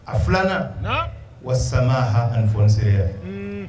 A filanan wa sama h ani fɔ seraya